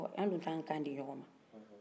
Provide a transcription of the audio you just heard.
an dun t'a kan di ɲɔgɔn